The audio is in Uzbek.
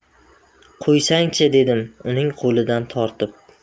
qo'ysang chi dedim uning qo'lidan tortib